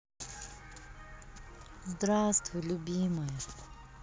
здравствуй любимая